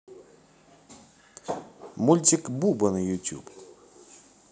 мультик буба на ютуб